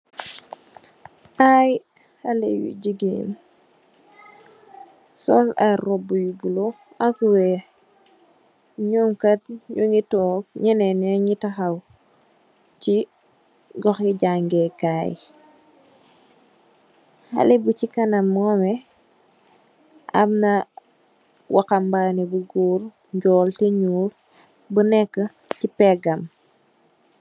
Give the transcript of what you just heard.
aye xale yu jigen sol aye robu yu bula ak yu wex nji njougi took nji njougi taxaw ci barabu jangekai bi hale buci kana am na waxabane bu Njol te njul taxaw ci pegam